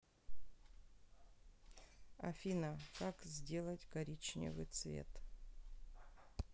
афина как сделать коричневый цвет